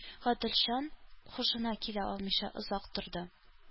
Гаделҗан һушына килә алмыйча озак торды